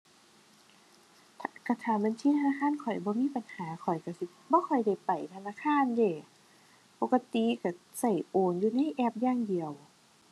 ก็ถ้าบัญชีธนาคารข้อยบ่มีปัญหา ข้อยก็สิบ่ค่อยได้ไปธนาคารเดะ ปกติก็ก็โอนอยู่ในแอปอย่างเดียว